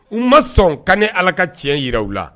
U ma sɔn ka ni ala ka tiɲɛ jiraw la